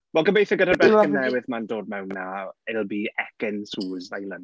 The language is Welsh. Wel, gobeithio gyda'r bechgyn newydd ma'n dod mewn 'na it'll be Ekin Su's Island.